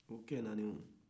o cɛ naani olu